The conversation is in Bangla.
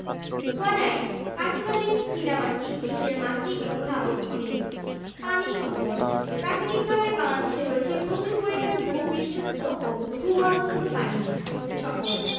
কায়ানাইট কাঁচবালি চীনামাটি ইটের মাটি এবং ধাতব খনিজ পানি সম্পদঃ প্রাকৃতিকভাবেই বাংলাদেশের রয়েছে প্রচুর পরিমাণে ভূ পৃষ্ঠস্থ ও ভূগর্ভস্থ পানি সম্পদ